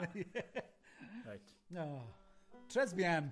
Reit. O, tres bien.